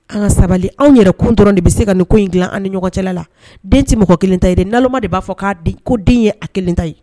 An sabali anw yɛrɛ kun dɔrɔn de bɛ se ka nin ko in dila an ni ɲɔgɔncɛ la den tɛ mɔgɔ kelen ta ye nama de b'a fɔ k'a den ko den ye a kelen ta ye